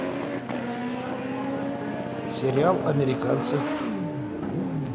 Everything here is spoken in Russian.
сериал американцы